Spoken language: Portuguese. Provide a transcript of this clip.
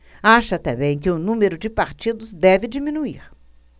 acha também que o número de partidos deve diminuir